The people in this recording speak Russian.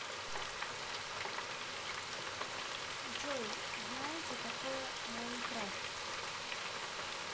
джой знаете такое minecraft